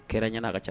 Kɛra ɲɛna a ka ca